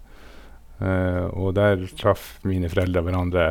Og der traff mine foreldre hverandre.